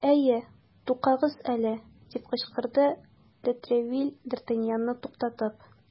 Әйе, тукагыз әле! - дип кычкырды де Тревиль, д ’ Артаньянны туктатып.